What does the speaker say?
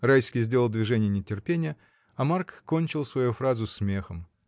Райский сделал движение нетерпения, а Марк кончил свою фразу смехом.